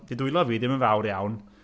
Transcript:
Dy dwylo fi ddim yn fawr iawn.